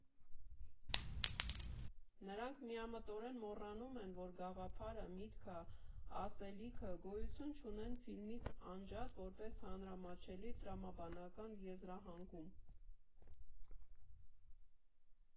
Նրանք միամտորեն մոռանում են, որ գաղափարը, միտքը, ասելքիը գոյություն չունեն ֆիլմից անջատ, որպես հանրամատչելի տրամաբանական եզրահանգում։